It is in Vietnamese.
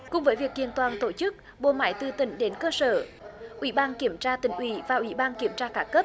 cùng với việc kiện toàn tổ chức bộ máy từ tỉnh đến cơ sở ủy ban kiểm tra tỉnh ủy và ủy ban kiểm tra các cấp